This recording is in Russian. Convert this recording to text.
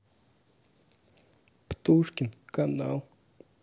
птушкин канал